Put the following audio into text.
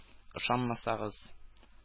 Ышанмасагыз